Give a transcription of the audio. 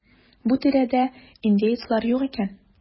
Бу тирәдә индеецлар юк икән.